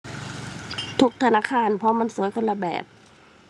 ทุกธนาคารเพราะมันสวยคนละแบบ